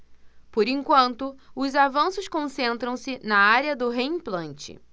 por enquanto os avanços concentram-se na área do reimplante